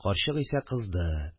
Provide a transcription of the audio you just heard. Карчык исә кызды